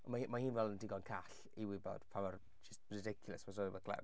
Ma' hi ma' hi fel yn digon call i wybod pa mor jyst ridiculous ma' Storybook Glenn.